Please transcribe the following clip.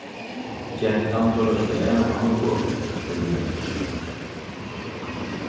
gentan fór av stað á motorsúkklu síni